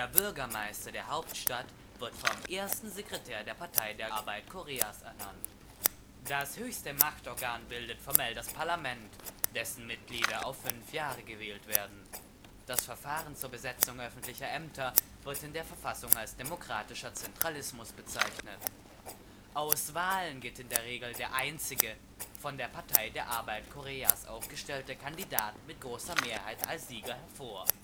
Der Bürgermeister der Hauptstadt wird vom Ersten Sekretär der Partei der Arbeit Koreas ernannt. Das höchste Machtorgan bildet formell das Parlament, dessen Mitglieder auf fünf Jahre gewählt werden. Das Verfahren zur Besetzung öffentlicher Ämter wird in der Verfassung als Demokratischer Zentralismus bezeichnet. Aus Wahlen geht in der Regel der einzige, von der Partei der Arbeit Koreas aufgestellte, Kandidat mit großer Mehrheit als Sieger hervor